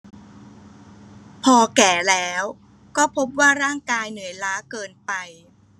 พอแก่แล้วก็พบว่าร่างกายเหนื่อยล้าเกินไป